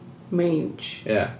Mange... Ie